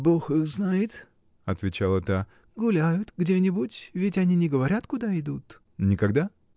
— Бог их знает, — отвечала та, — гуляют где-нибудь, ведь они не говорят, куда идут. — Никогда?